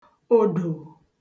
òdò